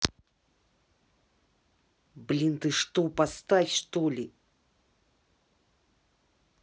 блин ты что поставь что ли